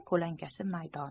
ko'lankasi maydon